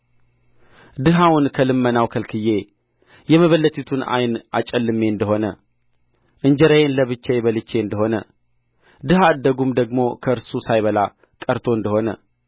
ድሀውን ከልመናው ከልክዬ የመበለቲቱን ዓይን አጨልሜ እንደ ሆነ እንጀራዬን ለብቻዬ በልቼ እንደ ሆነ ድሀ አደጉም ደግሞ ከእርሱ ሳይበላ ቀርቶ እንደ ሆነ